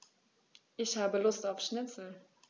Ich habe Lust auf Schnitzel.